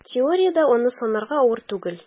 Теориядә аны санарга авыр түгел: